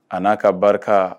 A n'a ka barika